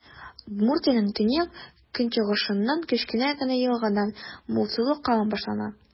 Удмуртиянең төньяк-көнчыгышыннан, кечкенә генә елгадан, мул сулы Кама башлана.